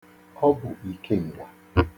Ọ bụ ikenga.